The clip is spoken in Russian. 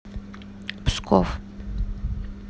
псков